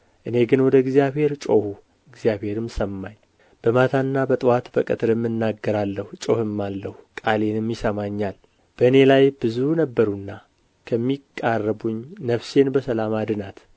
እኔ ግን ወደ እግዚአብሔር ጮኽሁ እግዚአብሔርም ሰማኝ በማታና በጥዋት በቀትርም እናገራለሁ እጮኽማለሁ ቃሌንም ይሰማኛል በእኔ ላይ ብዙ ነበሩና ከሚቃረቡኝ ነፍሴን በሰላም አድናት